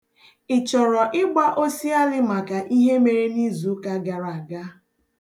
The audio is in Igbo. Ị chọrọ ịgba osialị maka ihe mere n'izuụka gara aga?